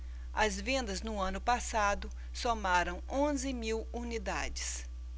as vendas no ano passado somaram onze mil unidades